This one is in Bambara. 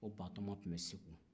o batoma tun bɛ segu